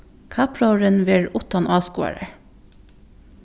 kappróðurin verður uttan áskoðarar